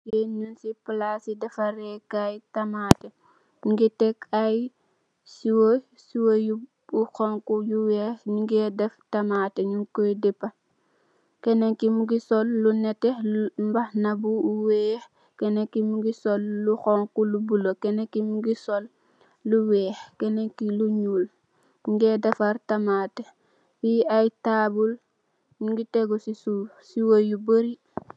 Fii nak si palaasi deferee kaayi tamaate la. Ñu ngi tek ay siwo siwo yu xoñxu ak lu weex ñu ngee def Tamaate.,ñung kooy Kenen ki mu ngi sol mbaxana bu weex,,mu ngi sol lu xoñxu, lu bulo. Keeni ki mu ngi sol lu weex, keenë ki, lu ñuul.ñu ngi defar tamaate, fi ay tabul mugi teegu di suff, sooyi;